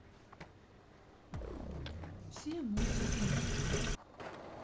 все мультики мира